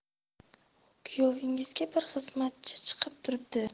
kuyovingizga bir xizmatcha chiqib turibdi